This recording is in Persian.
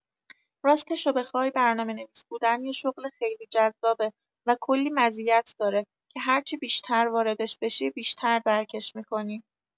راستشو بخوای، برنامه‌نویس بودن یه شغل خیلی جذابه و کلی مزیت داره که هر چی بیشتر واردش بشی، بیشتر درکش می‌کنی.